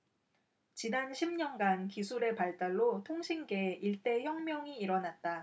지난 십 년간 기술의 발달로 통신계에 일대 혁명이 일어났다